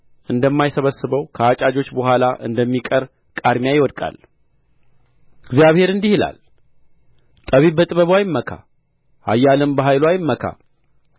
እንደማይሰበስበው ከአጫጆች በኋላ እንደሚቀር ቃርሚያ ይወድቃል እግዚአብሔር እንዲህ ይላል ጠቢብ በጥበቡ አይመካ ኃያልም በኃይሉ አይመካ